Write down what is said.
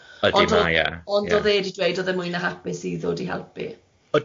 odi mae e. Ond o- ond o'dd e di dweud oedd e'n mwy na hapus i ddod i helpu.